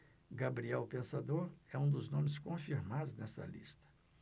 gabriel o pensador é um dos nomes confirmados nesta lista